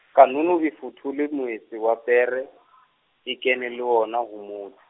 kanono e fothole moetse wa pere , e kene le wona ho mot- .